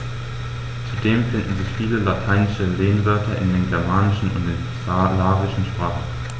Zudem finden sich viele lateinische Lehnwörter in den germanischen und den slawischen Sprachen.